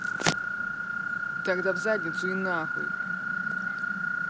тогда в задницу и нахуй